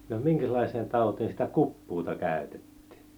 no minkäslaiseen tautiin sitä kuppuuta käytettiin